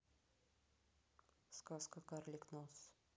сказка карлик нос